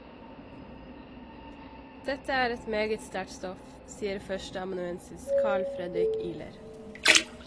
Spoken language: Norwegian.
Dette er et meget sterkt stoff, sier 1. amanuensis Carl Fredrik Ihler.